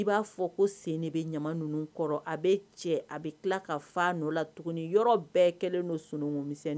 I b'a fɔ ko sen de bɛ ɲama ninnu kɔrɔ, a bɛ cɛ, a bɛ tila ka fa a nɔnna la tuguni. Yɔrɔ bɛɛ kɛlen do sunugumisɛn